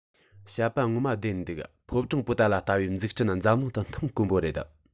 བཤད པ ངོ མ བདེན འདུག ཕོ བྲང པོ ཏ ལ ལྟ བུའི འཛུགས སྐྲུན འཛམ གླིང དུ མཐོང དཀོན པོ རེད